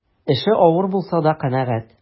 Эше авыр булса да канәгать.